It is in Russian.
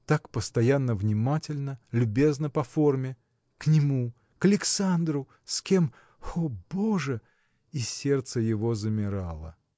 так постоянно внимательна, любезна по форме. к нему. к Александру! с кем. о боже! И сердце его замирало.